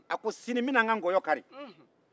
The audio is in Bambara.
a ko sinin n bɛna n ka nkɔyɔ kari